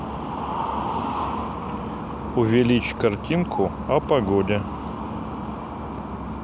увеличь картинку о погоде